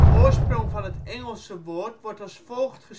oorsprong van het Engelse woord wordt als volgt